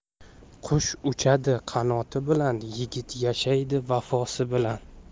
qush uchadi qanoti bilan yigit yashaydi vafosi bilan